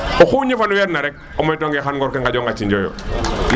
o xu ñofeer na rek o moytu wange xay ngor ke gaƴong a ciño yo